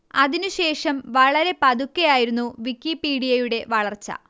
അതിനു ശേഷം വളരെ പതുക്കെ ആയിരുന്നു വിക്കിപീഡിയയുടെ വളർച്ച